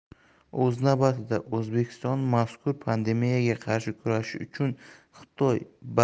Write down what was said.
o'z navbatida o'zbekiston mazkur pandemiyaga qarshi kurashish